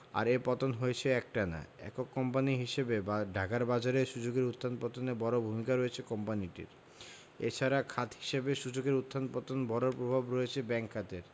আর এ পতন হয়েছে একটানা একক কোম্পানি হিসেবে ঢাকার বাজারে সূচকের উত্থান পতনে বড় ভূমিকা রয়েছে কোম্পানিটির এ ছাড়া খাত হিসেবে সূচকের উত্থান পতনে বড় প্রভাব রয়েছে ব্যাংক খাতের